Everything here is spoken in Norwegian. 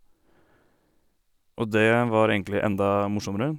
Og det var egentlig enda morsommere.